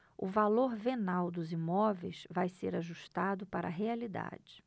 o valor venal dos imóveis vai ser ajustado para a realidade